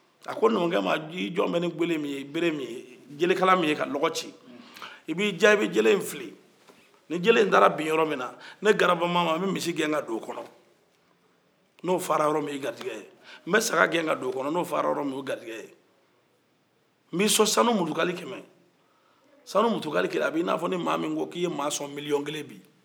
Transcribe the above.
a ko numukɛ man i jɔlen bɛ ni gele min ye bere min ye jelekala min ye ka dɔgɔ ci i b'i jan i bɛ jele in fili ni jele in taara bin yɔrɔ min ne garabamama ne bɛ misi gɛn ka ta don o kɔnɔ n'o fara yɔrɔ min o y'e gɛrɛjɛgɛ ye n bɛ saga gɛn ka don o kɔnɔ n'o fara min o y'e grijɛgɛ ye n b'i sɔn sanu mutukale kɛmɛ sanu mutukale kɛmɛ b'i n'a fɔ mɔgɔ min k'i ye mɔgɔ sɔn miliyɔn kelen bi